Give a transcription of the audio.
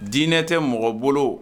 Dinɛ tɛ mɔgɔ bolo